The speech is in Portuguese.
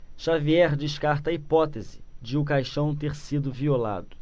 xavier descarta a hipótese de o caixão ter sido violado